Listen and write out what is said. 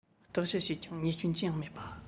བརྟག དཔྱད བྱས ཀྱང ཉེས སྐྱོན ཅི ཡང མེད པ